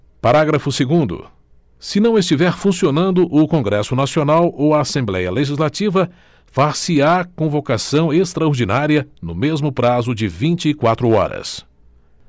parágrafo segundo se não estiver funcionando o congresso nacional ou a assembléia legislativa far se á convocação extraordinária no mesmo prazo de vinte e quatro horas